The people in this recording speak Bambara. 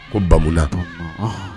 Ko bamnan